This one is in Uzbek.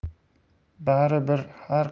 bari bir har